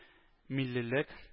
Миллилек